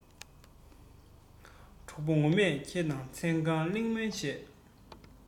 གྲོགས པོ ངོ མས ཁྱེད དང མཚན གང གླེང མོལ བྱས